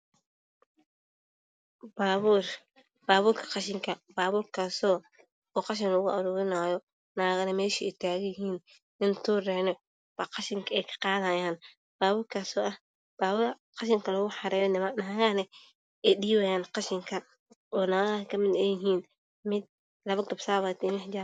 Kani waa baabuurka qashinka oo qashin lugu aruurinayo naagana meesha ay taagan yihiin oo ay qashinka dhiibahayaan oo gariga lugu xareynayo. Naagaha mid labo garbasaar ayay wadataa midna labo xijaab.